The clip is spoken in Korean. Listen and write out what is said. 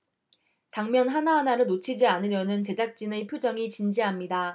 장면 하나하나를 놓치지 않으려는 제작진의 표정이 진지합니다